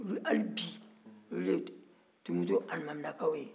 hali bi olu de ye tumutu alimaminw ye